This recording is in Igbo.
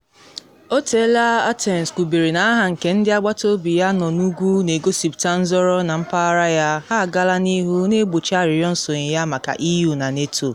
Oteela Athens kwubere na aha nke ndị agbataobi ya nọ n’ugwu na egosipụta nzọrọ na mpaghara ya, ha agaala n’ihu na egbochi arịrịọ nsonye ya maka EU na NATO.